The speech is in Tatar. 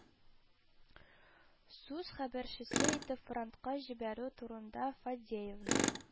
Сус хәбәрчесе итеп фронтка җибәрү турында фадеевның